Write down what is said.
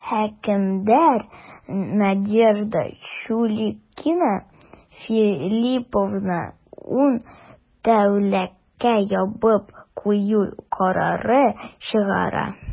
Хөкемдар Надежда Чулюкина Филлиповны ун тәүлеккә ябып кую карары чыгара.